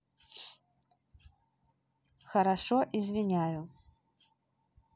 хорошо извиняю